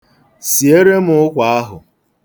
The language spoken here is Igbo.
Siere m ụkwa ahụ.